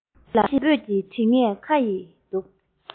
རྣམ ཤེས ལ སྤོས ཀྱི དྲི ངད ཁ ཡི འདུག